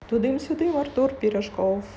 тудым сюдым артур пирожков